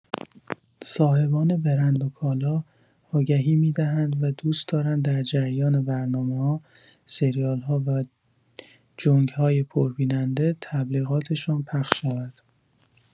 صاحبان برند و کالا، آگهی می‌دهند و دوست دارند در جریان برنامه‌‌ها، سریال‌ها و جنگ‌های پربیننده تبلیغات‌شان پخش شود.